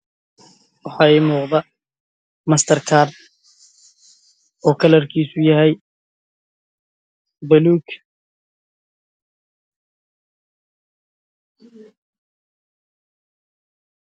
Waa master kard